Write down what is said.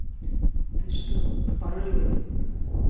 ты что тупорылый